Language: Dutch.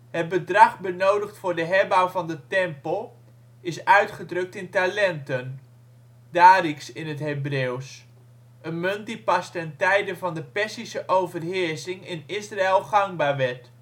Het bedrag benodigd voor de herbouw van de tempel wordt uitgedrukt in talenten (darics in het Hebreeuws), een munt die pas ten tijde van de Perzische overheersing in Israël gangbaar werd